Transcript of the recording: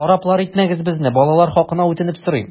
Хараплар итмәгез безне, балалар хакына үтенеп сорыйм!